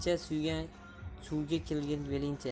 suvga khgil belingcha